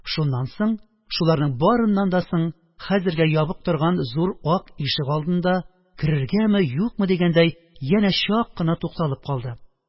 Шуннан соң, шуларның барыннан да соң, хәзергә ябык торган зур ак ишегалдында, «Керергәме? Юкмы?» дигәндәй, янә чак кына тукталып калды